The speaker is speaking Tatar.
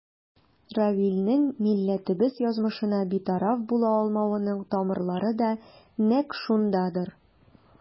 Равилнең милләтебез язмышына битараф була алмавының тамырлары да нәкъ шундадыр.